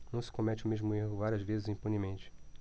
não se comete o mesmo erro várias vezes impunemente